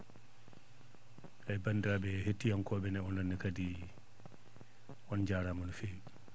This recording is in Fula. eeyi banndiraa?e hettihankoo?e ononne kadi on jaaraama no feewi